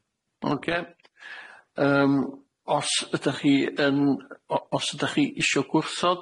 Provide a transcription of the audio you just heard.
Oce, yym os ydach chi yn- os ydach chi isio gwrthod